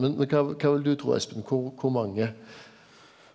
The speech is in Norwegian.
men men kva kva vil du tru Espen kor kor mange?